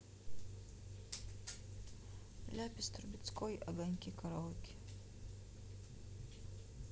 ляпис трубецкой огоньки караоке